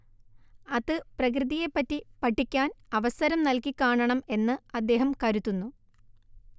അത് പ്രകൃതിയെപറ്റി പഠിക്കാൻ അവസരം നൽകിക്കാണണം എന്ന് അദ്ദേഹം കരുതുന്നു